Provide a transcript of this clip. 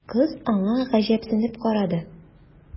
Кыз аңа гаҗәпсенеп карады.